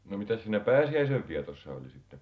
no mitäs siinä pääsiäisen vietossa oli sitten